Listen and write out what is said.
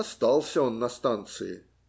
Остался он на станции.